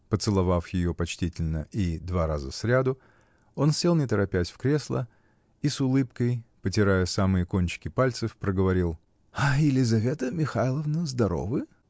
Поцеловав ее почтительно и два раза сряду, он сел не торопясь в кресла и с улыбкой, потирая самые кончики пальцев, проговорил: -- А Елизавета Михайловна здоровы?